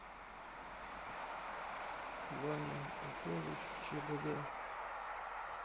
ваня усович чбд